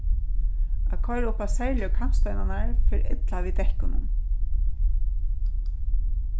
at koyra upp á serligu kantsteinarnar fer illa við dekkunum